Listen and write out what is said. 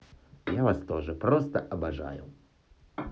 я вас тоже просто обожаю